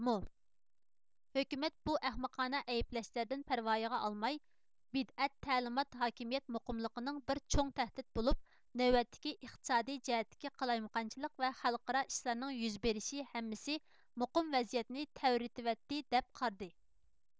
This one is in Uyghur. ھۆكۈمەت بۇ ئەخمىقانە ئەيىبلەشلەردىن پەرۋايىغا ئالماي بىدئەت تەلىمات ھاكىمىيەت مۇقىملىقىنىڭ بىر چوڭ تەھدىت بولۇپ نۆۋەتتىكى ئىقتىسادىي جەھەتتىكى قالايمىقانچىلىق ۋە خەلقئارا ئىشلارنىڭ يۈز بېرىشى ھەممىسى مۇقىم ۋەزىيەتنى تەۋرىتىۋەتتى دەپ قارىدى